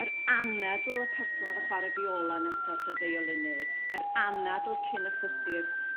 Yr anadl y person o'dd yn chwar'e fiola nesa at y fiolynydd. Yr anadl cyn ychwythur